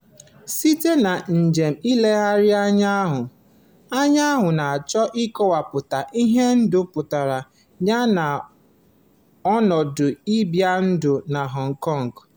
Site na njem nlegharị anya ahụ, anyị na-achọ ịkọwapụta ihe ndụ pụtara yana ọnọdụ ibi ndụ na Hong Kong.